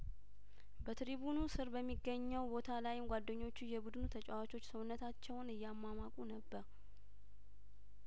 በትሪቡኑ ስር በሚገኘው ቦታላይም ጓደኞቹ የቡድን ተጫዋቾች ሰውነታቸውን እያሟሟቁ ነበር